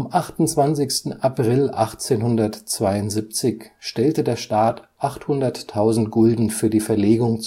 28. April 1872 stellte der Staat 800.000 Gulden für die Verlegung